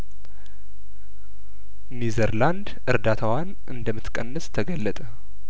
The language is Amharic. ኒዘርላንድ እርዳታዋን እንደምት ቀንስ ተገለጠ